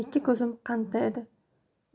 ikki ko'zim qandda edi